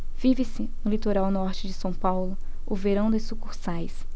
vive-se no litoral norte de são paulo o verão das sucursais